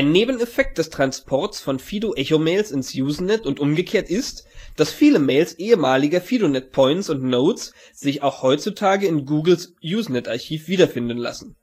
Nebeneffekt des Transports von Fido Echo-Mails ins Usenet und umgekehrt ist, dass viele Mails ehemaliger Fidonet-Points und - Nodes sich auch heutzutage in Googles Usenet-Archiv wiederfinden lassen